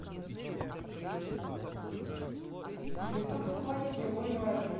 ютуб хроники убойного отдела